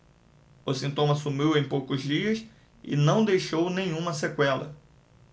o sintoma sumiu em poucos dias e não deixou nenhuma sequela